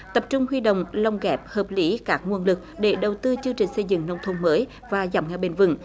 tập trung huy động lồng ghép hợp lý các nguồn lực để đầu tư chương trình xây dựng nông thôn mới và giảm nghèo bền vững